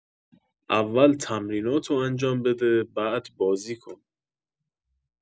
اول تمریناتو انجام بده بعد بازی کن